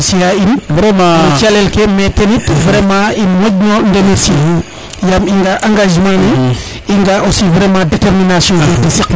a remercier a in vraiment no calel ke mais ten it vraiment in moƴ no remercier yaam i nga a engagement ne i nga a aussi determination fe te saq na